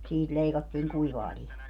siitä leikattiin kuivaa lihaa